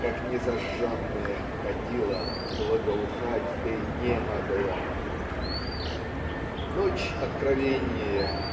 Как незажженное кадило Благоухать ты не могла. Ночь откровеннее